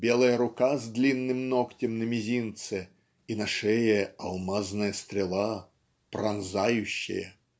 "белая рука с длинным ногтем на мизинце и на шее алмазная стрела пронзающая".